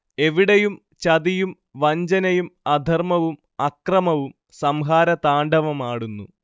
എവിടെയും ചതിയും വഞ്ചനയും, അധർമ്മവും അക്രമവും സംഹാരതാണ്ഡവമാടുന്നു